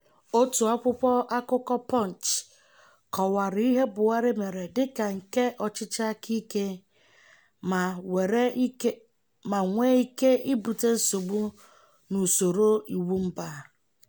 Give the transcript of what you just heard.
Otu akwụkwọ akụkọ Punch kọwara ihe Buhari mere dị ka nke ọchịchị aka ike ma nwere ike ibute nsogbu n'usoro iwu mba: